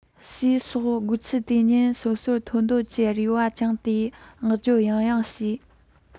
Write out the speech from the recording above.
ཞེས སོགས སྒོ ཁྱི དེ གཉིས སོ སོར འཐོབ འདོད ཀྱི རེ བ བཅངས ཏེ བསྔགས བརྗོད ཡང ཡང བྱས